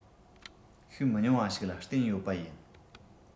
ཤུགས མི ཉུང བ ཞིག ལ བརྟེན ཡོད པ ཡིན